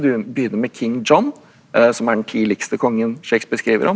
du begynner med King John som er den tidligste kongen Shakespeare skriver om.